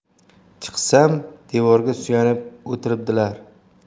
chiqsam devorga suyanib o'tiribdilar